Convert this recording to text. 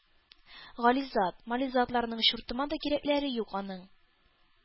-гализат, мализатларыңның чуртыма да кирәкләре юк аның.